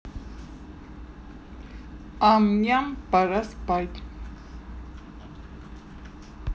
амням пора спать